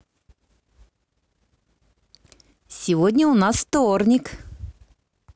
сегодня у нас вторник